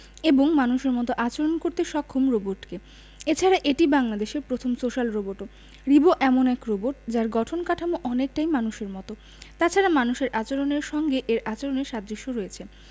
এবং মানুষের মতো আচরণ করতে সক্ষম রোবটকে এছাড়া এটি বাংলাদেশের প্রথম সোশ্যাল রোবটও রিবো এমন এক রোবট যার গঠন কাঠামো অনেকটাই মানুষের মতো তাছাড়া মানুষের আচরণের সঙ্গে এর আচরণের সাদৃশ্য রয়েছে